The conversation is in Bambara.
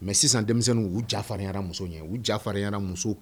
Mɛ sisan denmisɛnnin u jafarinya muso ye u jafarin muso